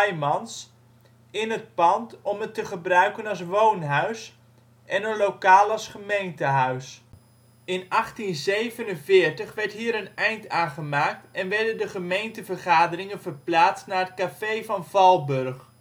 Gaijmans in het pand om het te gebruiken als woonhuis en een lokaal als gemeentehuis. In 1847 werd hier een eind aan gemaakt en werden de gemeentevergaderingen verplaatst naar het café van Valburg